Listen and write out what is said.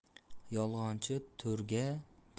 yolg'onchi to'rga bir